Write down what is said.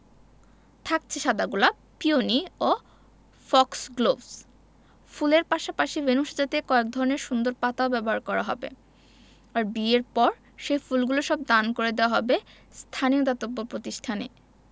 থাকছে সাদা গোলাপ পিওনি ও ফক্সগ্লোভস ফুলের পাশাপাশি ভেন্যু সাজাতে কয়েক ধরনের সুন্দর পাতাও ব্যবহার করা হবে আর বিয়ের পর সেই ফুলগুলো সব দান করে দেওয়া হবে স্থানীয় দাতব্য প্রতিষ্ঠানে